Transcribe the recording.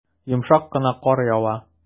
Йомшак кына кар ява.